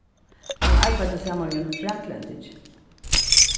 hann arbeiddi saman við einum fraklendingi